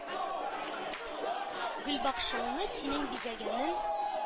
Гөлбакчаңны синең бизәгәнен,